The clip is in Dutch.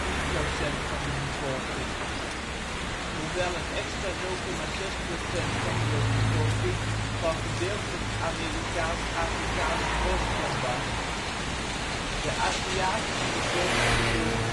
% van de bevolking, hoewel een extra 0.6 % van de bevolking van gedeeltelijk Afrikaans-Amerikaanse oorsprong was. De Aziatische bevolking bedroeg